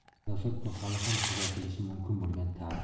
siyosat bu hali ham tuzatilishi mumkin bo'lgan tarix